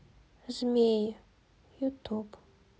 змеи ютуб